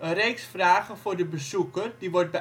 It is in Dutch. reeks vragen voor de bezoeker die wordt